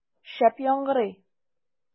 Шәп яңгырый!